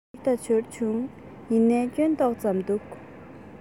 འབྱོར ད འབྱོར བྱུང ཡིན ནའི སྐྱོན ཏོག ཙམ འདུག